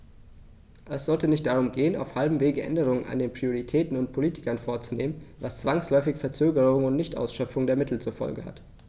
Es sollte nicht darum gehen, auf halbem Wege Änderungen an den Prioritäten und Politiken vorzunehmen, was zwangsläufig Verzögerungen und Nichtausschöpfung der Mittel zur Folge hat.